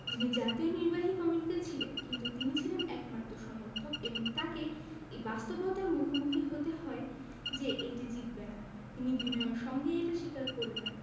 যিনি জাতীয় নির্বাহী কমিটিতে ছিলেন কিন্তু তিনি ছিলেন একমাত্র সমর্থক এবং তাঁকে এই বাস্তবতার মুখোমুখি হতে হয় যে এটি জিতবে না তিনি বিনয়ের সঙ্গে এটা স্বীকার করে নেন